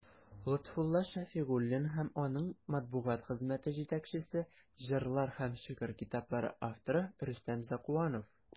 Лотфулла Шәфигуллин һәм аның матбугат хезмәте җитәкчесе, җырлар һәм шигырь китаплары авторы Рөстәм Зәкуанов.